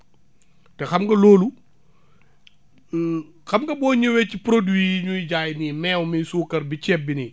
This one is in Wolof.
te xam nga loolu xam nga boo ñëwee ci produit yi ñuy jaay nii meew mi suukar bi ceeb bi nii